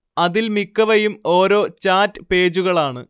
അതിൽ മിക്കവയും ഓരോ ചാറ്റ് പേജുകളാണ്